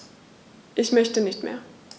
Ich möchte nicht mehr.